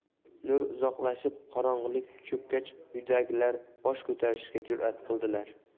nur uzoqlashib qorong'ilik cho'kkach uydagilar bosh ko'tarishga jurat qildilar